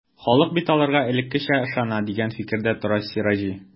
Халык бит аларга элеккечә ышана, дигән фикердә тора Сираҗи.